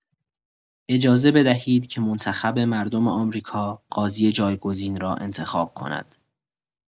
اجازه بدهید که منتخب مردم آمریکا قاضی جایگزین را انتخاب کند.